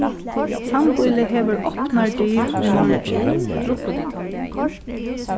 sambýlið hevur opnar dyr í morgin s